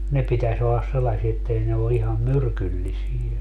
ne pitäisi olla sellaisia että ei ne ole ihan myrkyllisiä